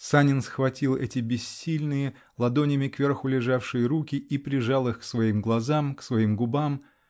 Санин схватил эти бессильные, ладонями кверху лежавшие руки -- и прижал их к своим глазам, к своим губам.